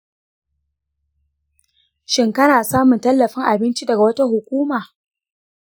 shin kana samun tallafin abinci daga wata hukuma?